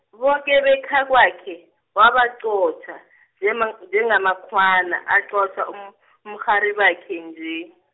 boke bekhakwakhe, wabaqotjha, njemang- njengamakhwana, aqotjha, um- umrharibakhe nje.